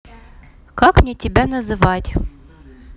как мне тебя называть